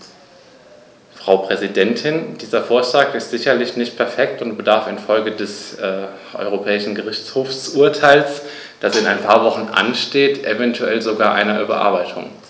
Frau Präsidentin, dieser Vorschlag ist sicherlich nicht perfekt und bedarf in Folge des EuGH-Urteils, das in ein paar Wochen ansteht, eventuell sogar einer Überarbeitung.